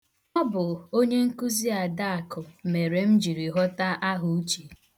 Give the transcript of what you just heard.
Ọ bụ onyenkụzi Adakụ mere m jiri ghọta ahauche.